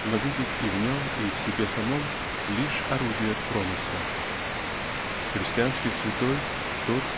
но видеть и в ней и в себе самом лишь орудие Промысла. Христианский святой -- тот